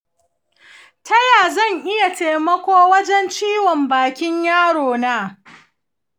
taya zan iya taimako wajen ciwon bakin yaro na?